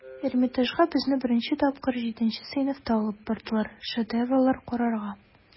Эрмитажга безне беренче тапкыр җиденче сыйныфта алып бардылар, шедеврлар карарга.